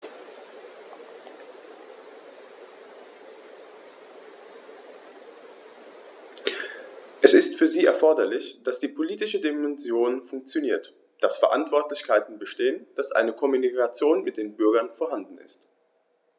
Es ist für sie erforderlich, dass die politische Dimension funktioniert, dass Verantwortlichkeiten bestehen, dass eine Kommunikation mit den Bürgern vorhanden ist.